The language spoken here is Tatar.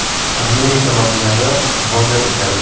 Америка маньягы № 1